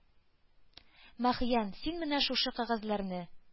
Мәхьян, син менә шушы кәгазьләрне